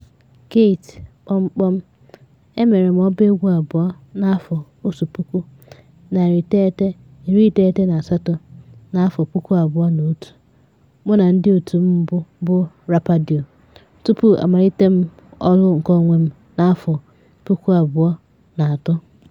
Keyti ​​: Emere m ọbaegwu abụọ (na 1998 na 2001) mụ na ndịotu m mbụ bụ Rapadio tupu amalite m ọrụ nkeonwe m na 2003.